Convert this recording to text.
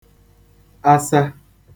asa